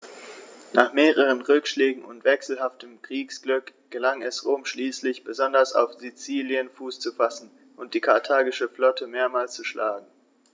Nach mehreren Rückschlägen und wechselhaftem Kriegsglück gelang es Rom schließlich, besonders auf Sizilien Fuß zu fassen und die karthagische Flotte mehrmals zu schlagen.